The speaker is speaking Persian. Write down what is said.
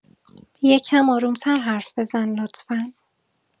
یه کم آروم‌تر حرف بزن لطفا